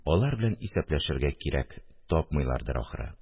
Алар белән исәпләшергә кирәк тапмыйлардыр, ахры